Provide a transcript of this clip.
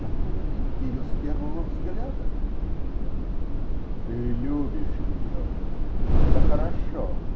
-- Я полюбил ее с первого взгляда. -- Ты любишь ее. Это хорошо.